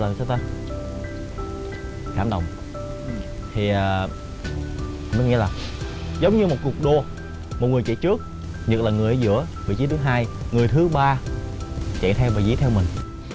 làm cho người ta cảm động thì có nghĩa là giống như một cuộc đua một người chạy trước nhật là người ở giữa vị trí thứ hai người thứ ba chạy theo và rẽ theo mình